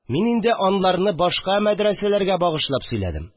Мин инде аларны башка мәдрәсәләргә багышлап сөйләдем